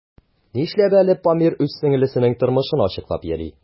Нишләп әле Памир үз сеңлесенең тормышын ачыклап йөри?